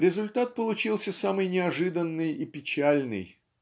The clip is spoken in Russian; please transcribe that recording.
Результат получился самый неожиданный и печальный